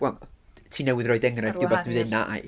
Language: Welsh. Wel ti newydd roi enghraifft i wbath dwi ddeud na i.